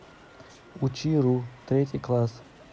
учи ру третий класс